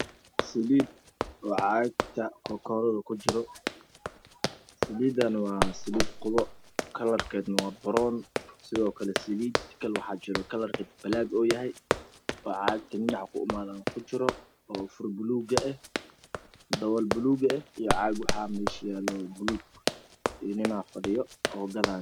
Waxaa ii muuqda nin gadayo saliid oo dul saaran tahay miis ninka waa nin oday ah waxa uuna ku gadayaa sha waddada dhexdeeda